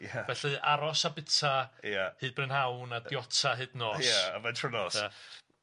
Felly aros a bita... Ia. ...ia hyd brynhawn a diota hyd nos. Ia yfed trw'r nos ia.